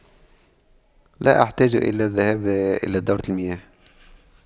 لا احتاج الى الذهاب إلى دورة المياه